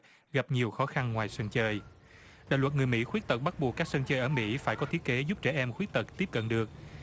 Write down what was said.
gặp nhiều khó khăn ngoài sân chơi theo luật người mỹ khuyết tật bắt buộc các sân chơi ở mỹ phải có thiết kế giúp trẻ em khuyết tật tiếp cận được